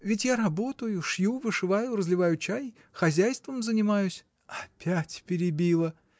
Ведь я работаю, шью, вышиваю, разливаю чай, хозяйством занимаюсь. — Опять перебила!